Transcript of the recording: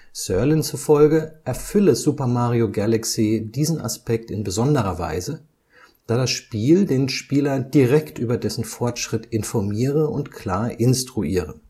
Sirlin zufolge erfülle Super Mario Galaxy diesen Aspekt in besonderer Weise, da das Spiel den Spieler direkt über dessen Fortschritt informiere und klar instruiere